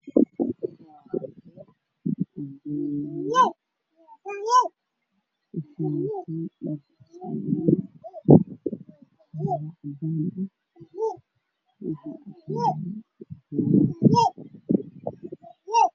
Waa iskuul waxaa fadhiya arday isugu jira gabdho iyo wiilal waxay wataan dhar caddaantiinta way u daysan tahay